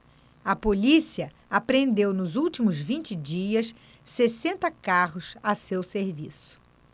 a polícia apreendeu nos últimos vinte dias sessenta carros a seu serviço